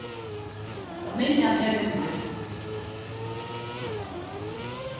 familjan er við mær